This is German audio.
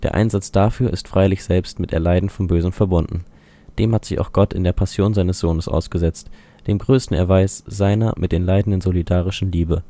Einsatz dafür ist freilich selbst mit Erleiden von Bösem verbunden. Dem hat sich auch Gott in der Passion seines Sohnes ausgesetzt: dem größten Erweis seiner mit den Leidenden solidarischen Liebe